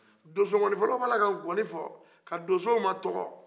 donsongonifɔlaw bɛ a la ka ngoni fɔ ka donso majamu